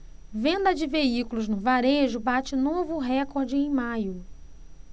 venda de veículos no varejo bate novo recorde em maio